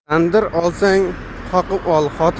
tandir olsang qoqib ol